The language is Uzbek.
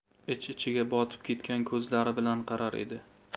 ich ichiga botib ketgan ko'zlari bilan qarar edi